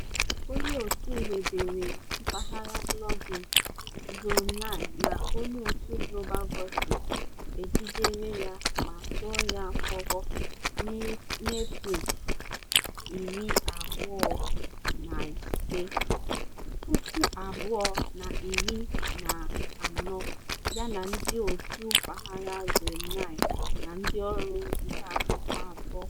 Onyeòtù wubere mpaghara blogging Zone9 na onyeòtù Global Voices, e jidere ya ma tụọ ya mkpọrọ n'Eprel 25, 2014 yana ndị òtù mpaghara Zone9 na ndịọrụ ntaakụkọ atọ.